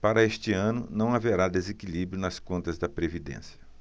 para este ano não haverá desequilíbrio nas contas da previdência